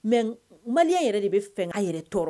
Mɛ maliya yɛrɛ de bɛ fɛ' yɛrɛ tɔɔrɔ